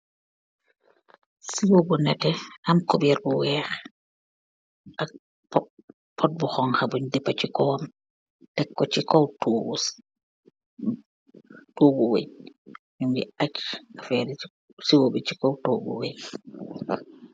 Seewu bu neete am kuber bu weeh ak pot, pot bu honha bun depa se kawam tek ku se kaw togu togu weenhe nugi ache aferr ye seewu bi se kaw togu weenhe.